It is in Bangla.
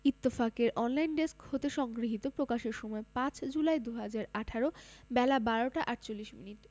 ইত্তফাকের অনলাইন ডেস্ক হতে সংগৃহীত প্রকাশের সময় ৫ জুলাই ২০১৮ বেলা১২টা ৪৮ মিনিট